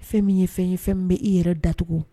Fɛn min ye fɛn ye fɛn bɛ i yɛrɛ datugu